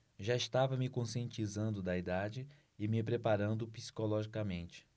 já estava me conscientizando da idade e me preparando psicologicamente